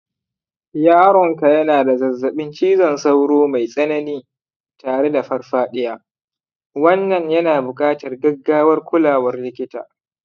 yaronka yana da zazzaɓin cizon sauro mai tsanani tare da farfaɗiya, wannan yana buƙatar gaggawar kulawar likita.